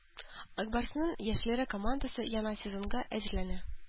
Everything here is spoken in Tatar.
“ак барс”ның яшьләр командасы яңа сезонга әзерләнә